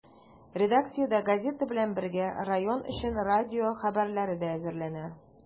Редакциядә, газета белән бергә, район өчен радио хәбәрләре дә әзерләнә.